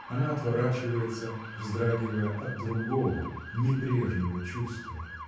Она отворачивается, вздрагивая от другого, не прежнего чувства.